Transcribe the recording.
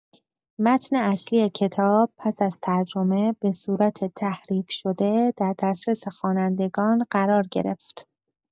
متن اصلی کتاب پس از ترجمه به صورت تحریف‌شده در دسترس خوانندگان قرار گرفت.